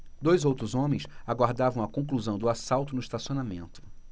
dois outros homens aguardavam a conclusão do assalto no estacionamento